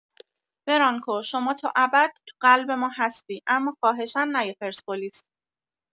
برانکو شما تا ابد تو قلب ما هستی اما خواهشا نیا پرسپولیس